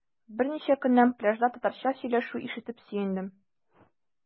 Берничә көннән пляжда татарча сөйләшү ишетеп сөендем.